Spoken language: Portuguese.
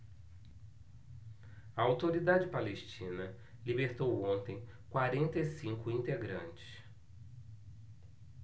a autoridade palestina libertou ontem quarenta e cinco integrantes